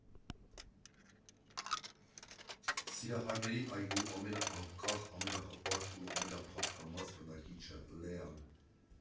Սիրահարների այգու ամենաանկախ, ամենահպարտ ու ամենափափկամազ բնակիչը՝ Լեան։